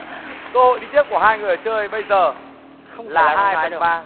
cơ hội đi tiếp của hai người chơi bây giờ là hai phần ba